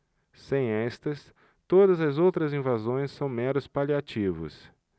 sem estas todas as outras invasões são meros paliativos